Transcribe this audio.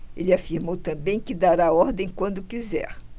ele afirmou também que dará a ordem quando quiser